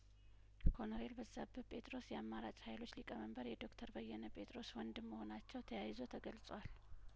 ኮኖሬል በዛብህ ጴጥሮስ የአማራጭ ሀይሎች ሊቀመንበር የዶክተር በየነ ጴጥሮስ ወንድም መሆናቸው ተያይዞ ተገልጿል